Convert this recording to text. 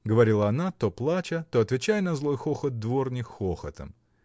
— говорила она то плача, то отвечая на злой хохот дворни хохотом.